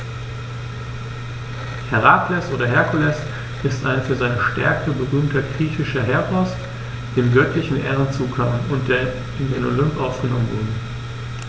Herakles oder Herkules ist ein für seine Stärke berühmter griechischer Heros, dem göttliche Ehren zukamen und der in den Olymp aufgenommen wurde.